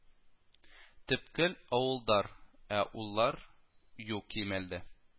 Төпкөл ауылдар а улар ю кимәлдә